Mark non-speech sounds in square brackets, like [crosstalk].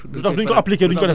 mais lu tax duñ ko [laughs]